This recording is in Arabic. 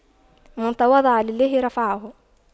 من تواضع لله رفعه